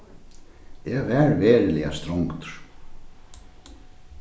eg var veruliga strongdur